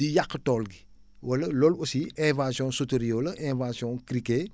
di yàq tool gi wala loolu aussi invasion sauteriot la invasion criquet